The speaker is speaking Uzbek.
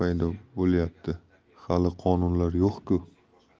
paydo bo'lyapti hali qonunlar yo'q ku